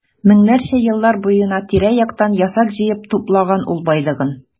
Меңнәрчә еллар буена тирә-яктан ясак җыеп туплаган ул байлыгын.